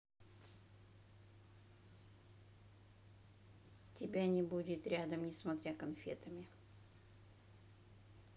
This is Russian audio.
тебя не будет рядом несмотря конфетами